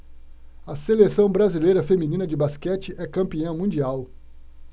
a seleção brasileira feminina de basquete é campeã mundial